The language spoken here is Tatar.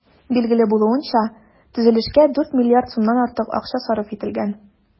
Билгеле булуынча, төзелешкә 4 миллиард сумнан артык акча сарыф ителгән.